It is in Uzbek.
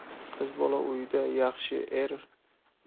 qiz bola uyda yaxshi